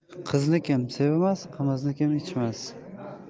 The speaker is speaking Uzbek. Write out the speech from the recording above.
qizni kim sevmas qimizni kim ichmas